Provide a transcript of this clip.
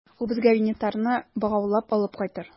Ул безгә Винитарны богаулап алып кайтыр.